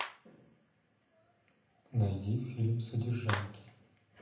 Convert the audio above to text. найди фильм содержанки